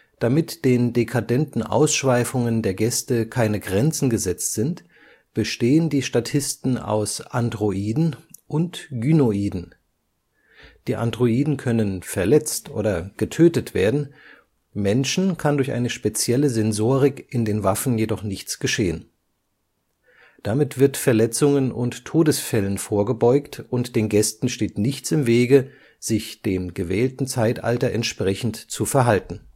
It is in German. Damit den dekadenten Ausschweifungen der Gäste keine Grenzen gesetzt sind, bestehen die Statisten aus Androiden und Gynoiden. Die Androiden können „ verletzt “oder „ getötet “werden, Menschen kann durch eine spezielle Sensorik in den Waffen jedoch nichts geschehen. Damit wird Verletzungen und Todesfällen vorgebeugt, und den Gästen steht nichts im Wege, sich dem gewählten Zeitalter entsprechend zu verhalten